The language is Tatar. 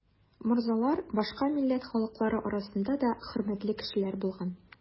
Морзалар башка милләт халыклары арасында да хөрмәтле кешеләр булган.